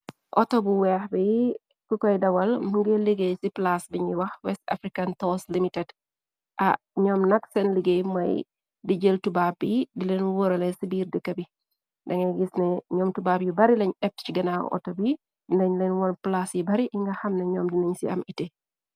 Auto bu weex bi ku koy dawal mungil liggéey ci plaase biñu wax west african tos limited a ñoom nag seen liggéey mooy di jël tubapb yi di leen woorale ci biir dëkka bi danga gis na ñoom tubapp yi bari lañ epp ci gana auto bi dilañ leen woon plaas yi bari yi nga xamna ñoom dinañ ci am ite.